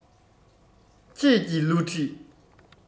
ཁྱེད ཀྱི བསླུ བྲིད